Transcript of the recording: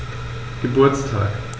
Geburtstag